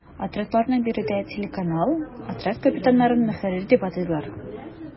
Отрядларны биредә “телеканал”, отряд капитаннарын “ мөхәррир” дип атыйлар.